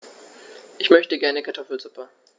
Ich möchte gerne Kartoffelsuppe.